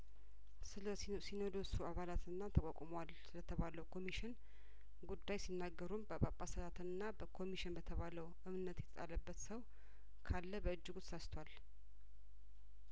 ስለሲኖሲኖዶሱ አባላትና ተቋቁሟል ስለተባለው ኮሚሽን ጉዳይ ሲናገሩም በጳጳሳትና ኮሚሽን በተባለው እምነት የጣለበት ሰው ካለበእጅጉ ተሳስቷል